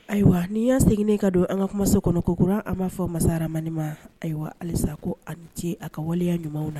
Ayiwa n'i y'a seginnene ka don an ka kumaso kɔnɔ kokura an b'a fɔ masamaniin ma ayiwa halisa ko ani ce a ka waleya ɲumanw na